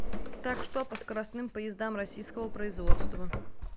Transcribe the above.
так что по скоростным поездам российского производства